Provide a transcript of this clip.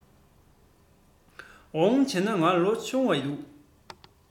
འོ བྱས ན ང ལོ ཆུང བ འདུག